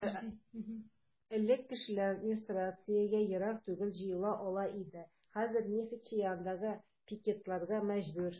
Элек кешеләр администрациягә ерак түгел җыела ала иде, хәзер "Нефтьче" янында пикетларга мәҗбүр.